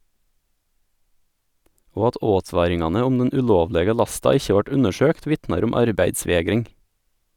Og at åtvaringane om den ulovlege lasta ikkje vart undersøkt, vitnar om arbeidsvegring.